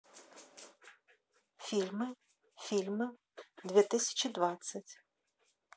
фильмы фильмы две тысячи двадцать